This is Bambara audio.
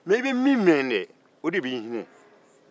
mɛ i be min mɛn dɛ o de b'i hinɛ